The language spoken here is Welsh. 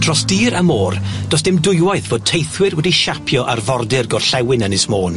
Dros dir a môr, do's dim dwywaith fod teithwyr wedi siapio arfordir gorllewin Ynys Môn.